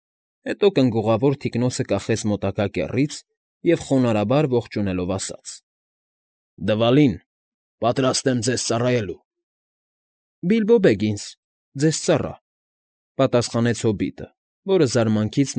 Հետո կնգուղավոր թիկնոցը կախեց մոտակա կեռից և խոնարհաբար ողջունելով ասաց. ֊ Դվալին, պատրաստ ձեզ ծառայելու։ ֊ Բիլբո Բեգինս՝ ձեզ ծառա, ֊ պատասխանեց հոբիտը, որը զարմանքից։